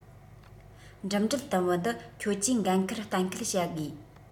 འགྲིམ འགྲུལ དུམ བུ འདི ཁྱོད ཀྱི འགན ཁུར གཏན འཁེལ བྱ དགོས